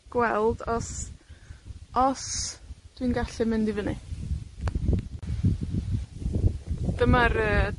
gweld os, os dwi'n gallu mynd i fyny. Dyma'r, yy,